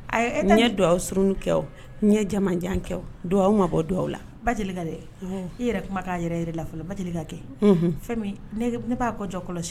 A nin ye do aw surun kɛ n ye jamajan kɛ aw ma bɔ don aw la ba deli ka dɛ i yɛrɛ kuma k'a yɛrɛ yɛrɛ la fɔlɔ ba deli ka kɛ fɛn ne b'a kɔ jɔ kɔlɔsi